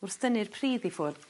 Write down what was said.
wrth dynnu'r pridd i ffwrdd